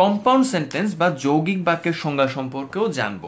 compound sentence বা যৌগিক বাক্যের সংজ্ঞা সম্পর্কেও জানব